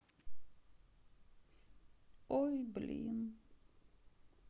ой блин